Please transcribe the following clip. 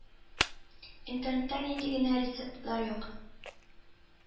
Интернетта нинди генә рецептлар юк